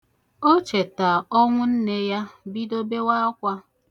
O cheta ọnwụ nne ya, bido bewa akwa.